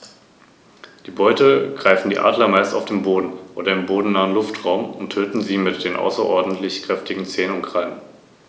Das eigentliche Rückgrat der Verwaltung bildeten allerdings die Städte des Imperiums, die als halbautonome Bürgergemeinden organisiert waren und insbesondere für die Steuererhebung zuständig waren.